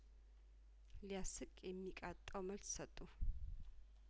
ሊያስቅ የሚቃጣው መልስ ሰጡ